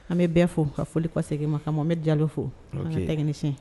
An bɛ bɛɛ fo ka foli ko segin ma' an bɛ jalo fo tɛg nisi